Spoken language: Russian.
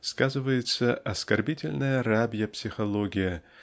сказывается оскорбительная рабья психология